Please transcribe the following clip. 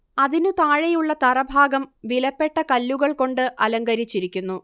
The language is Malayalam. അതിനു താഴെയുള്ള തറ ഭാഗം വിലപ്പെട്ട കല്ലുകൾ കൊണ്ട് അലങ്കരിച്ചിരിക്കുന്നു